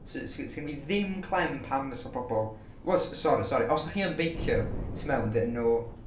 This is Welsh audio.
S- s- sgenna fi ddim clem pam fysa pobl... wel s- sori, sori, os dach chi yn beicio tu mewn then no...